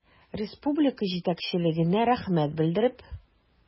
Республика җитәкчелегенә рәхмәт белдереп.